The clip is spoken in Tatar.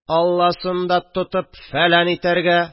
– алласын да тотып... фәлән итәргә